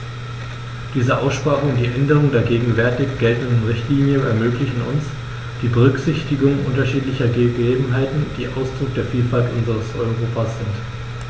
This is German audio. Diese Aussprache und die Änderung der gegenwärtig geltenden Richtlinie ermöglichen uns die Berücksichtigung unterschiedlicher Gegebenheiten, die Ausdruck der Vielfalt unseres Europas sind.